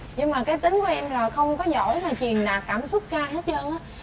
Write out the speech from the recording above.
nhưng mà cái tính của em là không có giỏi mà truyền đạt cảm xúc ra hết trơn á